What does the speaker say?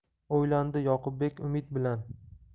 o'ylandi yoqubbek umid bilan